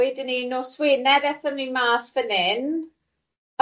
Wedyn ni nos Wener aethon ni mas fan'yn.